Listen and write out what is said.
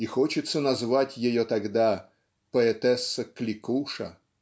И хочется назвать ее тогда: поэтесса-кликуша.